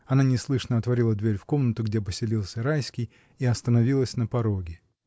Она неслышно отворила дверь в комнату, где поселился Райский, и остановилась на пороге.